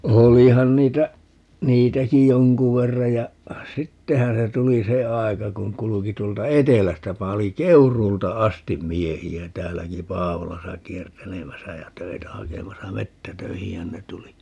olihan niitä niitäkin jonkun verran ja sittenhän se tuli se aika kun kulki tuolta etelästä paljon Keuruulta asti miehiä täälläkin Paavolassa kiertelemässä ja töitä hakemassa metsätöihinhän ne tuli